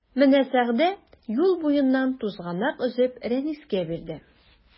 Менә Сәгъдә юл буеннан тузганак өзеп Рәнискә бирде.